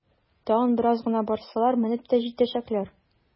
Тагын бераз гына барсалар, менеп тә җитәчәкләр!